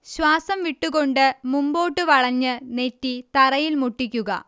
ശ്വാസം വിട്ട് കൊണ്ട് മുമ്പോട്ട് വളഞ്ഞ് നെറ്റി തറയിൽ മുട്ടിക്കുക